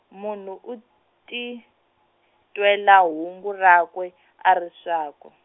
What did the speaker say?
munhu u titwela hungu rakwe, a ri swakwe.